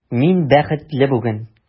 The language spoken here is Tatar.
Мин бәхетле бүген!